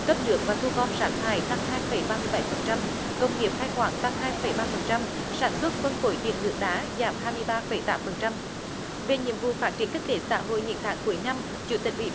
cấp nước và thu gom rác thải tăng hai phẩy ba mươi bảy phần trăm công nghiệp khai khoáng tăng hai phẩy ba phần trăm sản xuất phân phối điện nước đá giảm hai mươi ba phẩy tám phần trăm về nhiệm vụ phát triển kinh tế xã hội những tháng cuối năm chủ tịch ủy